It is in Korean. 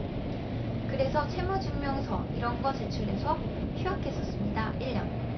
그래서 채무증명서 이런 거 제출해서 휴학했었습니다 일 년